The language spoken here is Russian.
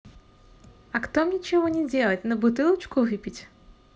а кто мне чего не делать на бутылочку выпить